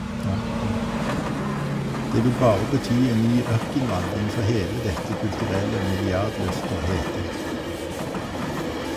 Det vil bare bety en ny ørkenvandring for hele dette kulturelle milliardløftet, het det.